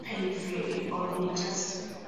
pain free on' o'n i jyst